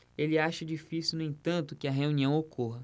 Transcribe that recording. ele acha difícil no entanto que a reunião ocorra